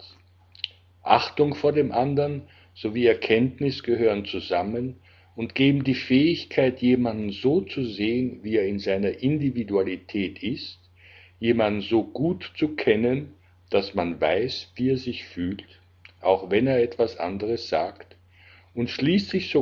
Achtung vor dem anderen sowie Erkenntnis gehören zusammen und geben die Fähigkeit, jemanden so zu sehen, wie er in seiner Individualität ist; jemanden so gut zu kennen, dass man weiß, wie er sich fühlt, auch wenn er etwas anderes sagt, und schließlich